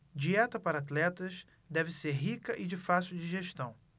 dieta para atletas deve ser rica e de fácil digestão